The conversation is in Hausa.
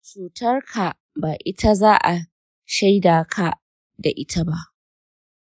cutar ka ba ita za a shaidaka da ita ba.